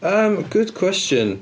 Yym good question.